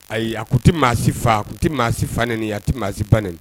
Ayi a kun tɛ maasi faa a tun tɛ maasi fa ni nin a tɛ maasi nin